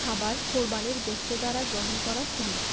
খাবার কোরবানির গোশত দ্বারা গ্রহণ করা সুন্নাত